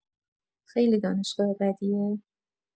خیلی دانشگاه بدیه؟